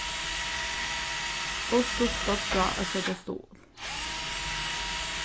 ov stutt skotbrá at søkja stuðul